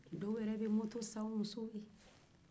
dɔw yɛrɛ be moto san u musow ye